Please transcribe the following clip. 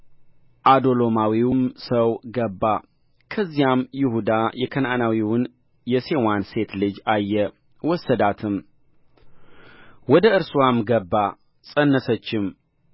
ዓዶሎማዊውም ሰው ገባ ከዚያም ይሁዳ የከነዓናዊውን የሴዋን ሴት ልጅ አየ ወሰዳትም ወደ እርስዋም ገባ ፀነሰችም